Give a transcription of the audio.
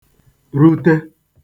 rute